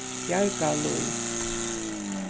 bjargalíð